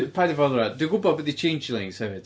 Paid â boddran. Dwi'n gwbod be 'di changelings hefyd.